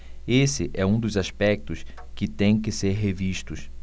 esse é um dos aspectos que têm que ser revistos